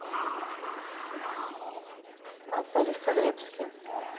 а в борисоглебске